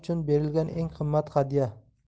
uchun berilgan eng qimmat hadya